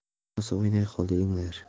bo'lmasa o'ynay qolinglar